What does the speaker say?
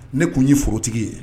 Ne tun ye forotigi ye